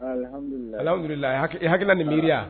Alhamdulilahi . Alhamdulilahi ha i hakilina n'i miriya?